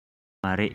ཡོད མ རེད